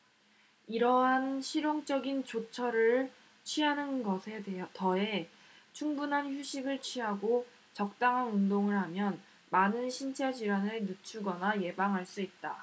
이러한 실용적인 조처를 취하는 것에 더해 충분한 휴식을 취하고 적당한 운동을 하면 많은 신체 질환을 늦추거나 예방할 수 있다